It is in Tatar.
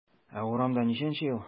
Ә урамда ничәнче ел?